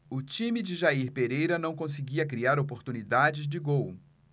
o time de jair pereira não conseguia criar oportunidades de gol